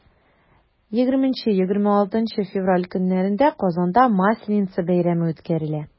20-26 февраль көннәрендә казанда масленица бәйрәме үткәрелә.